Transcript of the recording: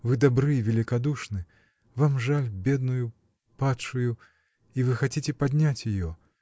Вы добры и великодушны: вам жаль бедную, падшую. и вы хотите поднять ее.